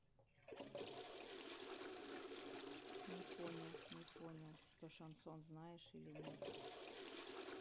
не понял не понял что шансон знаешь или нет